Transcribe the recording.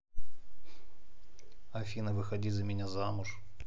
афина выходи за меня замуж